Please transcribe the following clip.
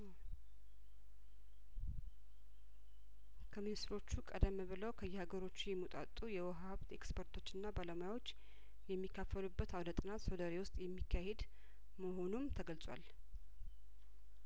ከሚኒስትሮቹ ቀደም ብለው ከየሀገሮቹ የሚውጣጡ የውሀ ሀብት ኤክስፐርቶችና ባለሙያዎች የሚካፈሉበት አውደ ጥናት ሶደሬ ውስጥ የሚካሄድ መሆኑም ተገልጿል